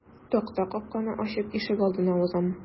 Такта капканы ачып ишегалдына узам.